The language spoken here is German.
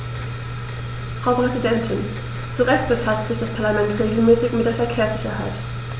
Frau Präsidentin, zu Recht befasst sich das Parlament regelmäßig mit der Verkehrssicherheit.